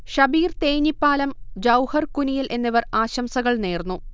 ഷബീർ തേഞ്ഞിപ്പാലം, ജൗഹർ കുനിയിൽ എന്നിവർ ആശംസകൾ നേർന്നു